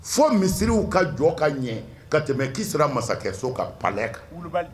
Fo misisiriw ka jɔ ka ɲɛ ka tɛmɛ k'i sera masakɛso ka palɛ